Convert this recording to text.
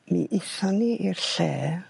Mi ithon ni i'r lle